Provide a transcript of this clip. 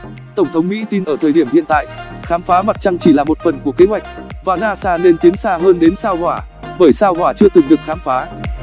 tổng thống mỹ tin ở thời điểm hiện tại khám phá mặt trăng chỉ là một phần của kế hoạch và nasa nên tiến xa hơn đến sao hỏa bởi sao hỏa chưa từng được khám phá